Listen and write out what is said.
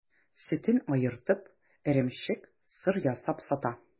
Сөтен аертып, эремчек, сыр ясап сата.